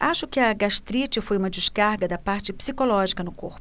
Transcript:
acho que a gastrite foi uma descarga da parte psicológica no corpo